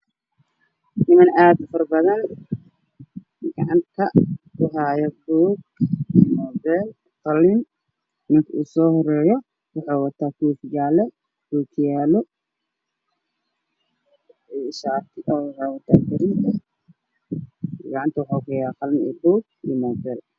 Niman aad ufarabadan midi cagantx waxu kuhayaa koob ,qalin kasoo horeeyaa waxu wataa kkòofiyaalo gaccanta wuxu ku hayaa moobeel